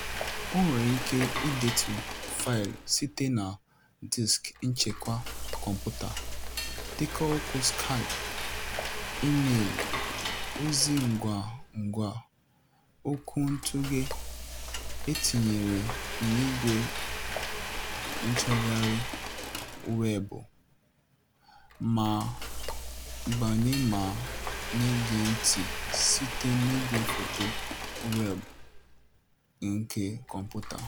O nwere ike idetu faịlụ site na diski nchekwa kọmpụta, dekọọ oku Skype, imeelụ, ozi ngwa ngwa, okwuntụghe e tinyere n'igwe nchọgharị weebụ, ma gbanye ma na-ege ntị site n'igwe foto weebụ nke kọmputa.